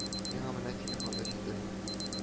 Миңа менә телефон да җитә